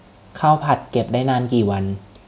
ข้าวผัดเก็บได้นานกี่วัน